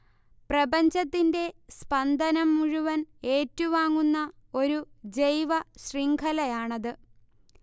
പ്രപഞ്ചത്തിന്റെ സ്പന്ദനം മുഴുവൻ ഏറ്റുവാങ്ങുന്ന ഒരു ജൈവശൃംഖലയാണത്